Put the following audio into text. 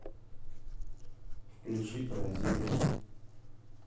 включи паразиты